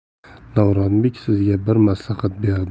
davronbek sizga bir maslahat